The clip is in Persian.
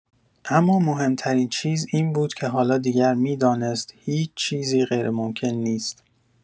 اما مهم‌ترین چیز این بود که حالا دیگر می‌دانست هیچ چیزی غیرممکن نیست.